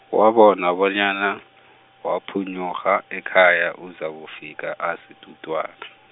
wabona bonyana, waphunyurha ekhaya uzakufika asitutwana.